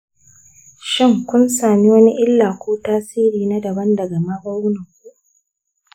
shin kun sami wani illa ko tasiri na daban daga magungunanku?